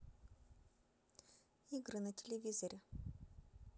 игры на телевизоре